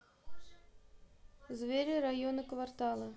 звери районы кварталы